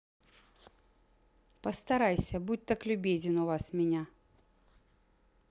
постарайся будь так любезен у вас меня